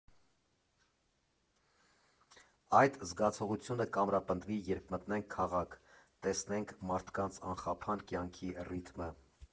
Այդ զգացողությունը կամրապնդվի, երբ մտնեք քաղաք, տեսնեք մարդկանց անխափան կյանքի ռիթմը։